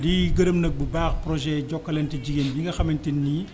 di gërëm nag bu baax projet Jokalante jigéen gi nga xamante ne ni